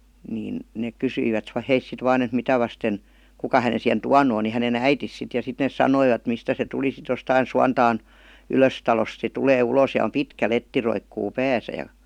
niin ne - kysyivät he sitten vain että mitä vasten kuka hänen siihen tuonut on niin hänen äitinsä sitten ja sitten ne sanoivat mistä se tuli sitten jostakin Suontaan Ylöstalosta se tulee ulos ja on pitkä letti roikkuu päässä ja